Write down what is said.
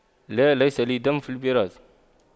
لا ليس لي دم في البراز